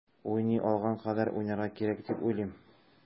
Уйный алган кадәр уйнарга кирәк дип уйлыйм.